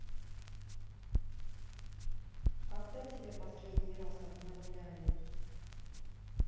когда тебя последний раз обновляли